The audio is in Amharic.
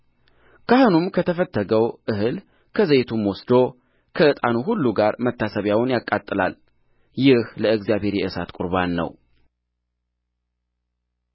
ካህኑም ከተፈተገው እህል ከዘይቱም ወስዶ ከዕጣኑ ሁሉ ጋር መታሰቢያውን ያቃጥላል ይህ ለእግዚአብሔር የእሳት ቍርባን ነው